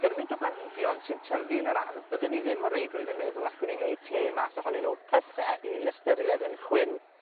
gymint o blanhigion sy'n tyfu yn yr ardd, bydden i ddim o reidrwydd yn meddwl allwn i wneud te mas ohonyn nw. Pethe 'yn ni'n ystyried yn chwyn.